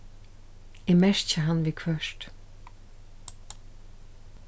eg merki hann viðhvørt